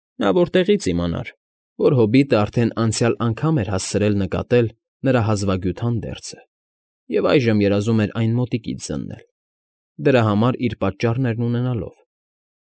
Նա որտեղի՞ց իմանար, որ հոբիտն արդեն անցյալ անգամ էր հասցրել նկատել նրա հազվագյուտ հանդերձը և այժմ երազում էր այն մոտիկից զննել, դրա համար իր պատճառներն ունենալով։